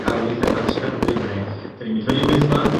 darlith am hanes Cymru ma' 'ne 'dyn ni'n mynd i fyny Wyddfa